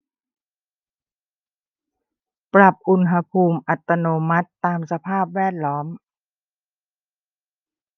ปรับอุณหภูมิอัตโนมัติตามสภาพแวดล้อม